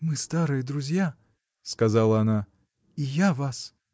— Мы старые друзья, — сказала она, — и я вас.